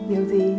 điều gì